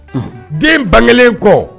Den bangekelen kɔ